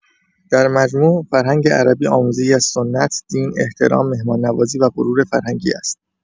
در مجموع، فرهنگ عربی آمیزه‌ای از سنت، دین، احترام، مهمان‌نوازی و غرور فرهنگی است.